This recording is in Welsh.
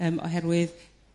yrm oherwydd